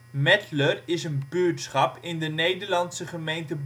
Medler is een buurtschap in de Nederlandse gemeente